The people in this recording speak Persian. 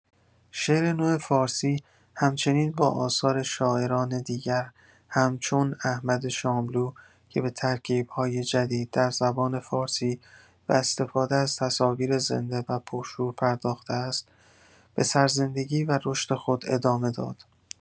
شعر نو فارسی همچنین با آثار شاعران دیگر همچون احمد شاملو، که به ترکیب‌های جدید در زبان فارسی و استفاده از تصاویر زنده و پرشور پرداخته است، به سرزندگی و رشد خود ادامه داد.